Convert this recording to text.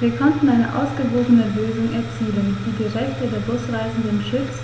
Wir konnten eine ausgewogene Lösung erzielen, die die Rechte der Busreisenden schützt